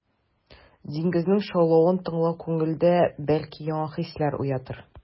Диңгезнең шаулавын тыңлау күңелдә, бәлки, яңа хисләр уятыр.